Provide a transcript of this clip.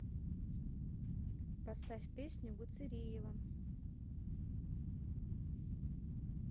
поставь песню гуцериева